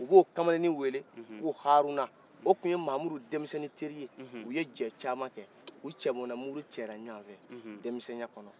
u b'o kamalenin wele ko haaruna o tun ye mamudu dɛmɛsɛnin teri ye u ye jɛ caman kɛ u cɛbɔna muru cɛra ɲɔgɔnfɛ dɛmɛninya kɔnɔ